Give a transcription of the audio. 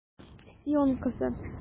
Сион кызы!